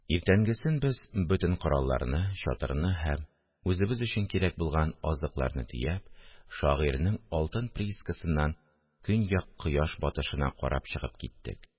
Иртәнгесен без бөтен коралларны, чатырны һәм үзебез өчен кирәк булган азыкларны төяп, шагыйрьнең алтын приискасыннан көньяк кояш батышына карап чыгып киттек